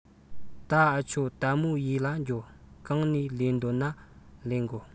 ད འུ ཆོ དལ མོ ཡེད ལ འགྱོ གང ནས ལེན འདོད ན ལེན གོ